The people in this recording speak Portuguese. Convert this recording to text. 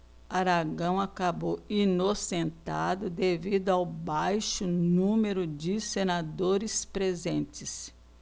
aragão acabou inocentado devido ao baixo número de senadores presentes